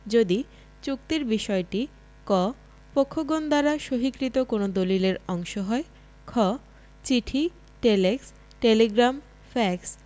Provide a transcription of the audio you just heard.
যদি চুক্তির বিষয়টি ক পক্ষগণ দ্বারা সহিকৃত কোন দলিলের অংশ হয় খ চিঠি টেলেক্স টেলিগ্রাম ফ্যাক্স